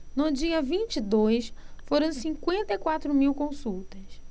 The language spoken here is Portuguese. no dia vinte e dois foram cinquenta e quatro mil consultas